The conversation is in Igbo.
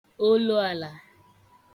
olu àlà